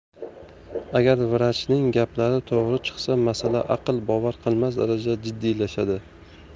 agar vrachning gaplari to'g'ri chiqsa masala aql bovar qilmas darajada jiddiylashadi